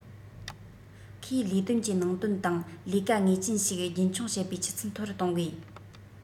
ཁོས ལས དོན གྱི ནང དོན དང ལས ཀ ངེས ཅན ཞིག རྒྱུན འཁྱོངས བྱེད པའི ཆུ ཚད མཐོ རུ གཏོང དགོས